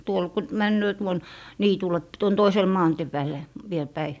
tuolla kun menee tuonne niitylle - tuon toiselle maantien päälle vielä päin